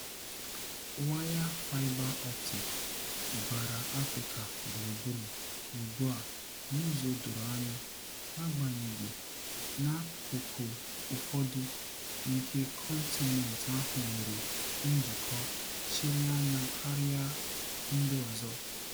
Waya fiber optic gbara Afrịka gburugburu ugbu a n'ụzọ doro anya, n'agbanyeghị na akụkụ ụfọdụ nke kọntinent ahụ nwere njikọ chiri anya karịa ndị ọzọ.